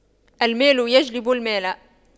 المال يجلب المال